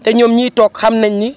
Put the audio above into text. te ñoom ñii togg xam nañ ni